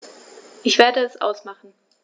Ich werde es ausmachen